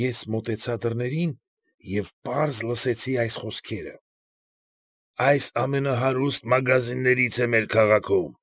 Ես մոտեցա դռներին և պարզ լսեցի այս խոսքերը. ֊ Այս ամենահարուստ մագազիններից մեկն է մեր քաղաքում։